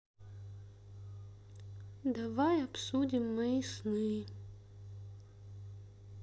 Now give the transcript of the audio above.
давай обсудим мои сны